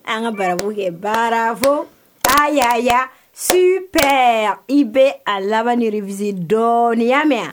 An ka bara kɛ barafo ayiwa su p i bɛ a laban ni v dɔɔninya mɛn